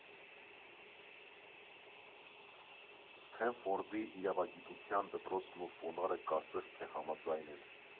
Սթենֆորդի իրավագիտության դպրոցն ու Ֆոնարը կարծես թե համաձայն են։